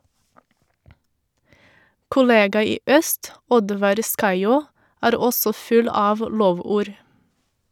Kollega i øst, Oddvar Skaiaa, er også full av lovord.